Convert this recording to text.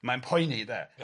mae'n poeni de. Ia.